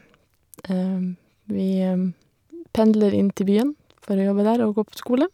Vi pendler inn til byen for å jobbe der og gå på skole.